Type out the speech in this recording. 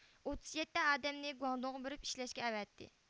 ئوتتۇز يەتتە ئادەمنى گۇاڭدۇڭغا بېرىپ ئىشلەشكە ئەۋەتتى